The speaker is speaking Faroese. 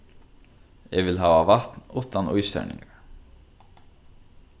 eg vil hava vatn uttan ísterningar